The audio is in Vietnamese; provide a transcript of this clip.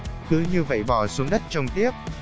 cứ như vậy bỏ xuống đất trồng tiếp